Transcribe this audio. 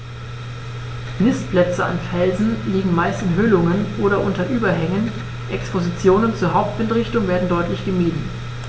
Nistplätze an Felsen liegen meist in Höhlungen oder unter Überhängen, Expositionen zur Hauptwindrichtung werden deutlich gemieden.